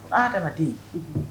A kana den yen